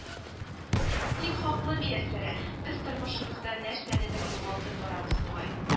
—син хаклы, мияссәрә, без тормышыбызда нәрсәнедер югалтып барабыз бугай